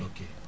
ok